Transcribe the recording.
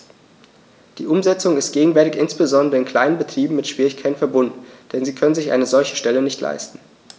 Die Umsetzung ist gegenwärtig insbesondere in kleinen Betrieben mit Schwierigkeiten verbunden, denn sie können sich eine solche Stelle nicht leisten.